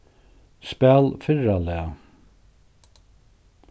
spæl fyrra lag